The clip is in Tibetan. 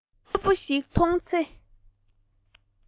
དངོས པོ ཞིག མཐོང ཚེ